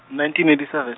nineteen eighty seven.